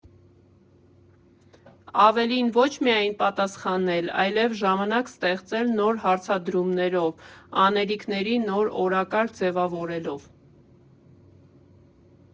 Ավելին՝ ոչ միայն պատասխանել, այլև ժամանակ ստեղծել՝ նոր հարցադրումներով, անելիքների նոր օրակարգ ձևավորելով»։